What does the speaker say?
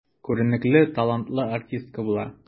Күренекле, талантлы артистка була.